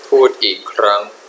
พูดอีกครั้ง